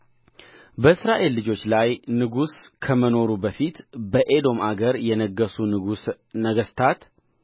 በእስራኤል ልጆች ላይ ንጉሥ ከመኖሩ በፊት በኤዶም አገር የነገሡ ንጉሥ ነገሥታት